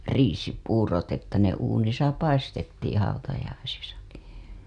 riisipuurot että ne uunissa paistettiin hautajaisissakin